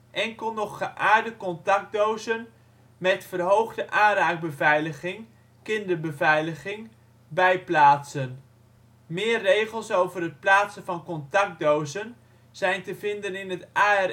enkel nog geaarde contactdozen mét verhoogde aanraakbeveiliging (kinderbeveiliging) bijplaatsen. Meer regels over het plaatsen van contactdozen vind je in het AREI